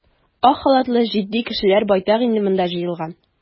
Ак халатлы җитди кешеләр байтак инде монда җыелган.